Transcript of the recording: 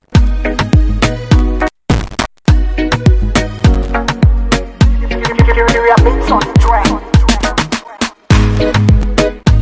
Wagɛnin yo